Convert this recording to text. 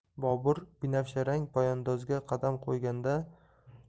bobur binafsharang poyandozga qadam qo'yganda